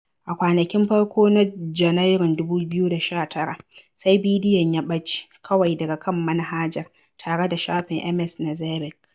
A kwanakin farko na Janairun 2019, sai bidiyon ya ɓace kawai daga kan manhajar tare da shafin Ms. Knezeɓic.